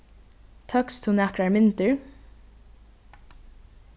tókst tú nakrar myndir